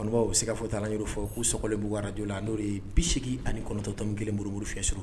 Manikaw sika fosi t'a la an yɛruw fɛ k'u sɔgɔlen don radio la n'o ye 89.1 buruburu fiɲɛ suuru.